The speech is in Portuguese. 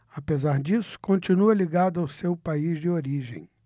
apesar disso continua ligado ao seu país de origem